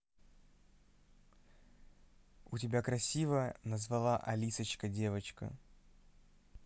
у тебя красиво назвала алисочка девочка